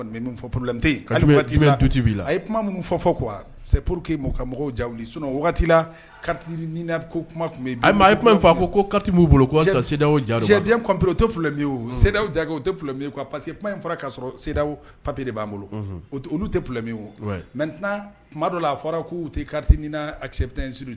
Kuma min fɔoroki ka mɔgɔw ja wagati latiina kuma a a kuma in fɔ ko b'u boloden cop tolɛ ja u te parce que kuma in fara k'a sɔrɔ seda papiere de b'an bolo olu tɛlɛ wo mɛ tɛna kuma dɔ la a fɔra k'u tɛti niina a sɛbɛp